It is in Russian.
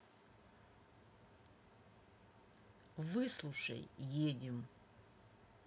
выслушай едим